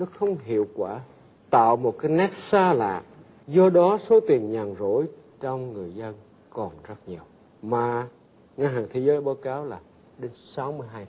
nó không hiệu quả tạo một cái nét xa lạ do đó số tiền nhàn rỗi trong người dân còn rất nhiều mà ngân hàng thế giới báo cáo là đến sáu mươi hai